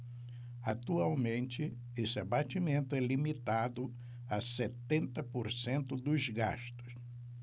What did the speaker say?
atualmente esse abatimento é limitado a setenta por cento dos gastos